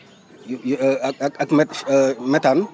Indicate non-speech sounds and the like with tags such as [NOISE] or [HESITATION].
yu yu [HESITATION] ak ak ak nag [HESITATION] métane